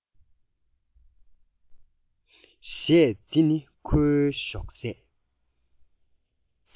གཞས འདི ནི ཁོའི ཞོགས ཟས